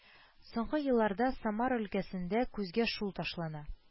Соңгы елларда Самар өлкәсендә күзгә шул ташлана